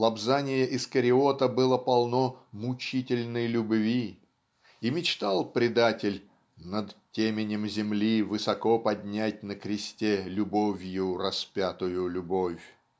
лобзание Искариота было полно "мучительной любви" и мечтал предатель "над теменем земли высоко поднять на кресте любовью распятую любовь".